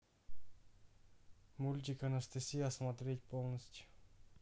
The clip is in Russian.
мультик анастасия смотреть полностью